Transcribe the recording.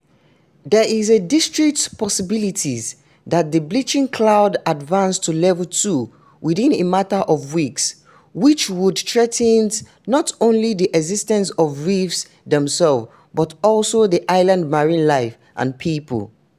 There is a distinct possibility that the bleaching could advance to Level Two within a matter of weeks, which would threatens not only the existence of the reefs themselves, but also the island's marine life and people.